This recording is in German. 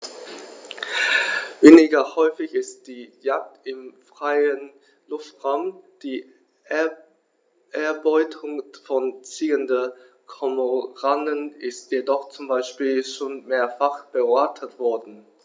Weniger häufig ist die Jagd im freien Luftraum; die Erbeutung von ziehenden Kormoranen ist jedoch zum Beispiel schon mehrfach beobachtet worden.